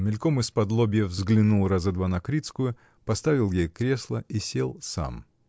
мельком исподлобья взглянул раза два на Крицкую, поставил ей кресло и сел сам.